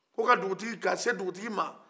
ko ka dugutigi k'a se dugutigi ma